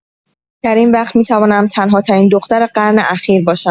در این وقت می‌توانم تنهاترین دختر قرن اخیر باشم.